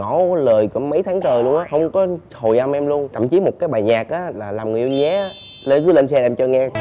ngỏ lời cũng mấy tháng trời luôn á không có hồi âm em luôn thậm chí một cái bài nhạc á là làm người yêu nhé lên cứ lên xe là em cho nghe